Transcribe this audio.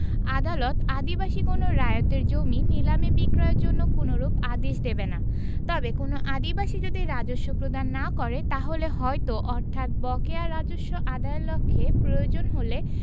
আদালত আদিবাসী কোন রায়তের জমি নিলামে বিক্রয়ের জন্য কোনরূপ আদেশ দেবেনা তবে কোনও আদিবাসী যদি রাজস্ব প্রদান না করে তাহলে হয়ত অর্থাৎ বকেয়া রাজস্ব আদাযের লক্ষে প্রয়োজন হলে